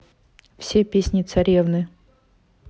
все песни царевны